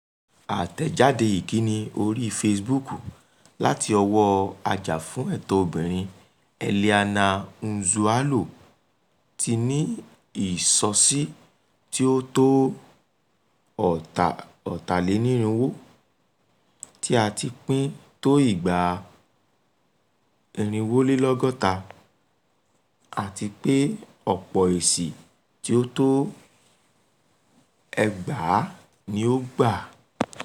Àtẹ̀jáde ìkíni orí Facebook láti ọwọ́ ajàfúnẹ̀tọ́ obìnrin Eliana Nzualo, ti ní ìsọsí tí ó tó 450, tí a ti pín tó ìgbà 460, àti pé ọ̀pọ̀ èsì tí ó tó 2,000 ni ó gbà: